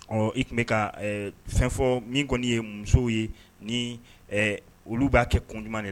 Ɔ i tun bɛ ka fɛn fɔ min kɔni ye musow ye ni olu b'a kɛ kunɲuman